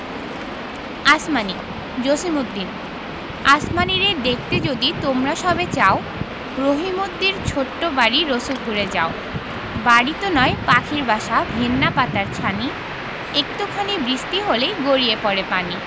আসমানী জসিমউদ্দিন আসমানীরে দেখতে যদি তোমরা সবে চাও রহিমদ্দির ছোট্ট বাড়ি রসুলপুরে যাও বাড়িতো নয় পাখির বাসা ভেন্না পাতার ছানি একটু খানি বৃষ্টি হলেই গড়িয়ে পড়ে পানি